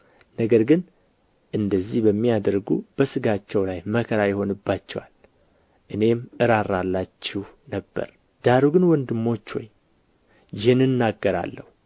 ነገር ግን እንዲህ በሚያደርጉ በሥጋቸው ላይ መከራ ይሆንባቸዋል እኔም እራራላችሁ ነበር ዳሩ ግን ወንድሞች ሆይ ይህን እናገራለሁ